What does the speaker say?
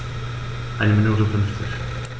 Eine Minute 50